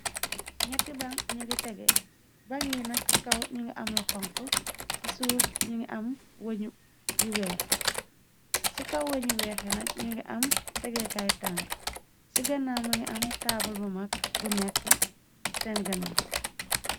Ngetti ban ñi ngi tegee bang yi nag ci kaw ñu ngi am lu xonk ci suuf ñi ngi am wëñu yu weex ci kaw wëñu weex i nag ñu ngi am tege kaay tang ci gënna ma ngi am taabal bu mag bu nekk seen gënna.